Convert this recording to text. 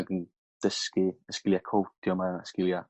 ag yn dysgu y sgilia cowdio 'ma sgilia